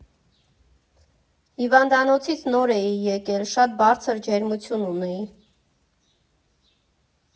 Հիվանդանոցից նոր էի եկել, շատ բարձր ջերմություն ունեի։